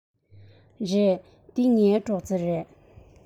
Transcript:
རེད འདི ངའི སྒྲོག རྩེ རེད